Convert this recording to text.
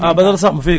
ah Badara Samb fii